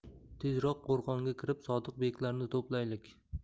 tezroq qo'rg'onga kirib sodiq beklarni to'playlik